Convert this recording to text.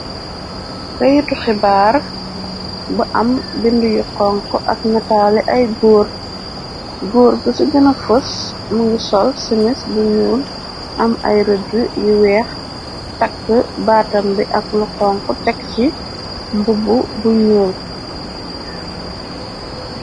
Kaytu xibaar bu am bind yu xonk ak metaale ay góur goor gu ci gina fos mëngu sol simis bu nuun am ay rëdd yu weex takk baatam bi ak lu xonku tek ci mbubb bu ñuum.